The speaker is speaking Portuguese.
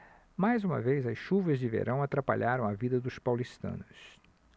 mais uma vez as chuvas de verão atrapalharam a vida dos paulistanos